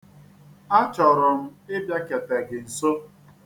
Achọrọ m ịbịakete gi nso.